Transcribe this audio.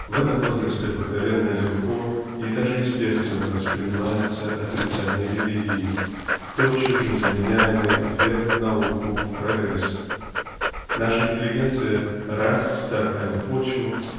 В этом возрасте обыкновенно легкой даже естественно воспринимается отрицание религии тотчас же заменяемой верою в науку в прогресс. Наша интеллигенция раз став на эту почву